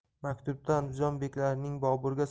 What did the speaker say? maktubda andijon beklarining boburga